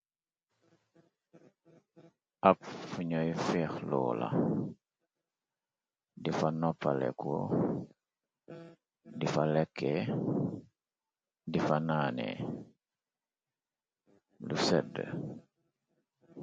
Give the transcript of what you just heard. Ab fuñoy fexloo la di fa noppaleko di fa lekke di fa naane lu sedd.